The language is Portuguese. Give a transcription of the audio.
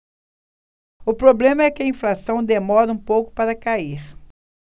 o problema é que a inflação demora um pouco para cair